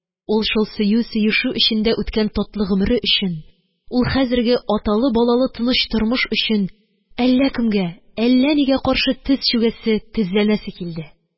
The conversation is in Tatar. Ул шул сөю-сөешү эчендә үткән татлы гомере өчен, ул хәзерге аталы-балалы тыныч тормыш өчен әллә кемгә, әллә нигә каршы тез чүгәсе, тезләнәсе килде